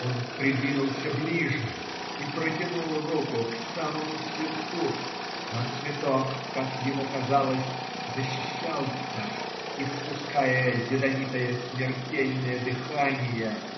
Он придвинулся ближе и протянул руку к самому цветку, но цветок, как ему казалось, защищался, испуская ядовитое, смертельное дыхание.